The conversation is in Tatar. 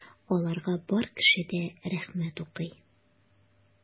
Аларга бар кеше дә рәхмәт укый.